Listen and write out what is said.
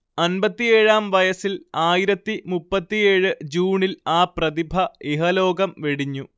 അൻപത്തിയേഴാം വയസ്സിൽ ആയിരത്തി മുപ്പത്തിയേഴ് ജൂണിൽ ആ പ്രതിഭ ഇഹലോകം വെടിഞ്ഞു